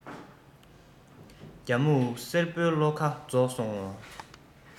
རྒྱ སྨྱུག སེར པོའི བློ ཁ རྫོགས སོང ངོ